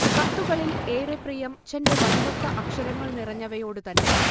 കത്തുകളിൽ ഏറെ പ്രിയം അച്ഛന്റെ വടിവൊത്ത അക്ഷരങ്ങൾ നിറഞ്ഞവയോട് തന്നെ